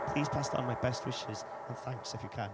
Please pass on my best wishes and thanks if you can.